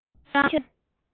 གལ ཏེ ཁྱོད རང